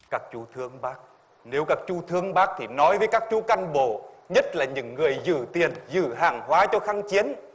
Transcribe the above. các chú thương bác nếu các chủ thương bác thì nói với các chú cán bộ nhất là những người giữ tiền giữ hàng hóa cho kháng chiến